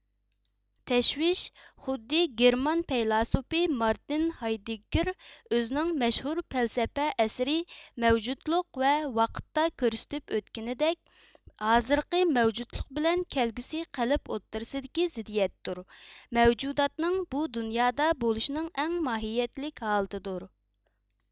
تەشۋىش خۇددى گېرمان پەيلاسوپى مارتىن ھايدېگگىر ئۆزىنىڭ مەشھۇر پەلسەپە ئەسىرى مەۋجۇتلۇق ۋە ۋاقىتتا كۆرسىتىپ ئۆتكىنىدەك ھازىرقى مەۋجۇتلۇق بىلەن كەلگۈسى قەلب ئوتتۇرىسىدىكى زىددىيەتتۇر مەۋجۇداتنىڭ بۇ دۇنيادا بولۇشىنىڭ ئەڭ ماھىيەتلىك ھالىتىدۇر